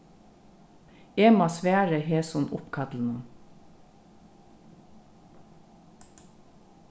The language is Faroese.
eg má svara hesum uppkallinum